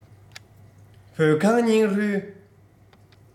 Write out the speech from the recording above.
བོད ཁང སྙིང ཧྲུལ